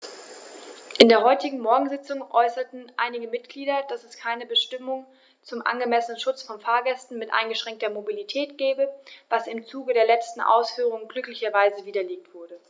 In der heutigen Morgensitzung äußerten einige Mitglieder, dass es keine Bestimmung zum angemessenen Schutz von Fahrgästen mit eingeschränkter Mobilität gebe, was im Zuge der letzten Ausführungen glücklicherweise widerlegt wurde.